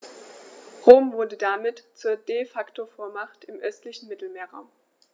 Rom wurde damit zur ‚De-Facto-Vormacht‘ im östlichen Mittelmeerraum.